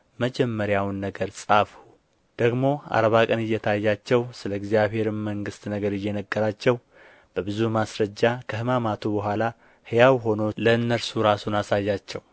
መጀመሪያውን ነገር ጻፍሁ ደግሞ አርባ ቀን እየታያቸው ስለ እግዚአብሔርም መንግሥት ነገር እየነገራቸው በብዙ ማስረጃ ከሕማማቱ በኋላ ሕያው ሆኖ ለእነርሱ ራሱን አሳያቸው